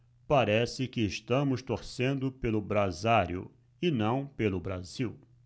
parece que estamos torcendo pelo brasário e não pelo brasil